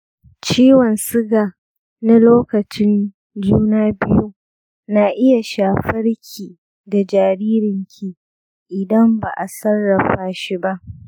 ciwon suga na lokacin juna biyu na iya shafar ki da jaririn ki idan ba a sarrafa shi ba.